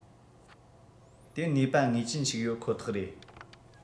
དེ ནུས པ ངེས ཅན ཞིག ཡོད ཁོ ཐག རེད